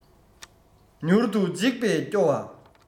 མྱུར དུ འཇིག པས སྐྱོ བ